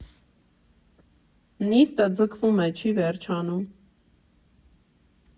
Նիստը ձգվում, չի վերջանում։